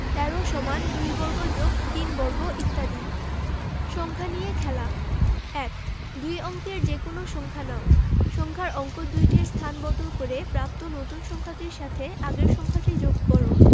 ১৩ = ২ বর্গ + ৩ বর্গ ইত্যাদি সংখ্যা নিয়ে খেলা ১ দুই অঙ্কের যেকোনো সংখ্যা নাও সংখ্যার অঙ্ক দুইটির স্থান বদল করে প্রাপ্ত নতুন সংখ্যাটির সাথে আগের সংখ্যাটি যোগ কর